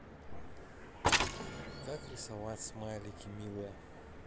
как рисовать смайлики милые